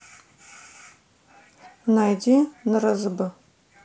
найди нрзб